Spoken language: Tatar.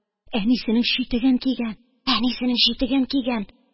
Әнисенең читеген кигән, әнисенең читеген кигән...